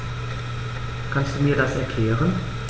Kannst du mir das erklären?